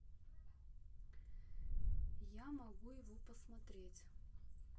я могу его посмотреть